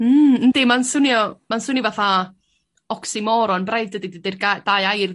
Hmm yndi ma'n swnio ma'n swnio fatha *oxymoron braidd dydi dydi'r gai- dau air